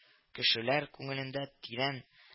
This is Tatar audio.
Кешеләр күңелендә тирән